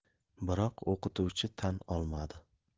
biroq o'qituvchi tan olmadi